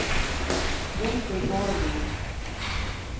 undir borðinum